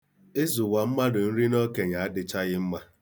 Ịzụwa mmadụ nri n'okenye adịchaghị mma.